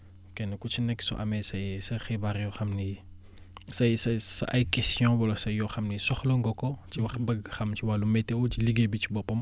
kenn ku si nekk soo amee say sa xibaar yoo xam ne say say sa ay questions wala sa yoo xam ne soxla nga ko ci wax bëgg xam ci wàllu météo ci liggéey bi ci boppam